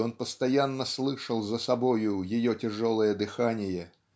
и он постоянно слышал за собою ее тяжелое дыхание.